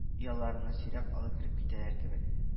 Ояларына сөйрәп алып кереп китәрләр кебек